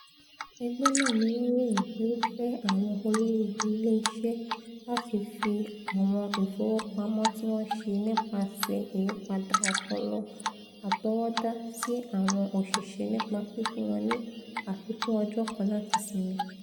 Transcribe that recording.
Ẹgbẹ́ náà ni wọn ròyin pé ó fẹ̵ àwọn olórí ilé iṣẹ́ láti fí àwọn ìfowópamọ́ tí wọ́n ṣe nípaṣẹ̀ ìyípadà ọpọlọ àtọwọ́dá sí àwọn òṣìṣẹ̵̵́ nípa fífún wọn ní àfikún ọjọ́ kan láti sinmi.